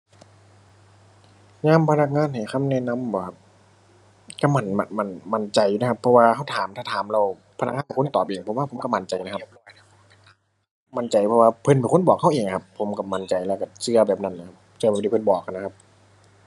ยามพนักงานให้คำแนะนำบ่ครับ ก็มั่น มั่น มั่น มั่นใจอยู่นะครับ เพราะว่าก็ถาม ถ้าถามแล้วพนักงานเป็นคนตอบเอง ผมว่าผมก็มั่นใจนะครับ มั่นใจเพราะว่าเพิ่นเป็นคนบอกก็เองอะครับ ผมก็มั่นใจ แล้วก็เชื่อแบบนั้นน่ะครับ เชื่อแบบที่เพิ่นบอกหั้นนะครับ